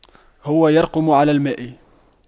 هو يرقم على الماء